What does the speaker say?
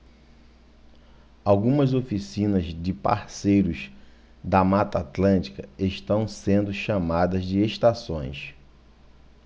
algumas oficinas de parceiros da mata atlântica estão sendo chamadas de estações